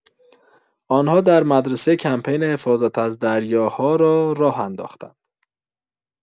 آن‌ها در مدرسه کمپین حفاظت از دریاها را راه انداختند.